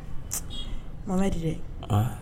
Man di dɛ